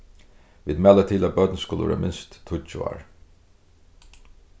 vit mæla til at børn skulu vera minst tíggju ár